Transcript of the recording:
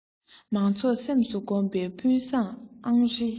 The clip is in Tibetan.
མང ཚོགས སེམས སུ བསྒོམས པའི དཔོན བཟང རང ཨེ ཡིན